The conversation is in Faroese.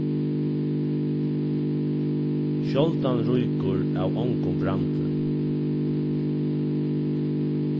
sjáldan rýkur av ongum brandi